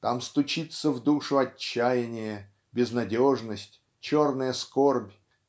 там стучится в душу отчаяние безнадежность черная скорбь